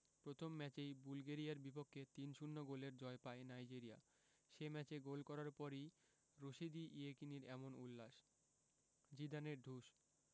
প্রথম ম্যাচেই বুলগেরিয়ার বিপক্ষে ৩ ০ গোলের জয় পায় নাইজেরিয়া সে ম্যাচে গোল করার পরই রশিদী ইয়েকিনির এমন উল্লাস জিদানের ঢুস